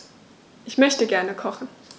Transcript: Ich möchte gerne kochen.